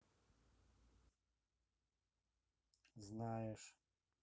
знаешь